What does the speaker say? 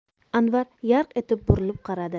anvar yarq etib burilib qaradi